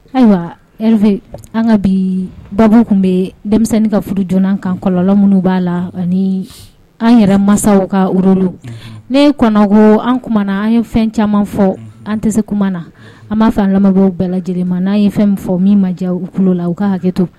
Ayiwa an ka bi baa tun bɛ denmisɛnnin ka furu joona kan kɔlɔlɔnlɔ minnu b'a la ani an yɛrɛ masaw ka urolu ne kɔnɔ an na an ye fɛn caman fɔ an tɛ se kuma na an b'a an lamɛnw bɛɛ lajɛlen ma n'an ye fɛn fɔ min ma diya u tulo la u ka hakɛ to